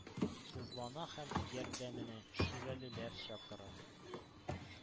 Сызлана һәм ярдәменә шүрәлеләр чакыра.